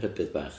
Rhybudd bach.